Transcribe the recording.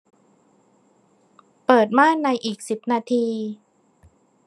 เปิดม่านในอีกสิบนาที